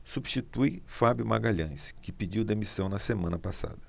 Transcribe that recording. substitui fábio magalhães que pediu demissão na semana passada